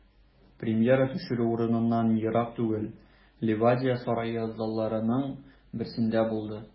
Премьера төшерү урыныннан ерак түгел, Ливадия сарае залларының берсендә булды.